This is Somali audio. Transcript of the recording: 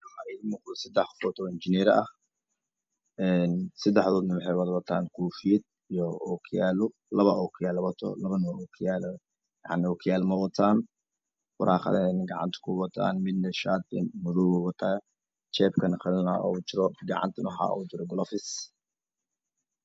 Waxaa ii moqata sadx qofoo injinwera injineera ah Sadxdoodan wxii wadaw wataan koofiyad iyo okiyaalo lapaa okiyaalo wadato lapana ma wadato waraaqadiina gacnta ku wataan midna shaati madow buu wataa jaapkana qalinaa ugu jira gacantana waxa ugu jira galoofis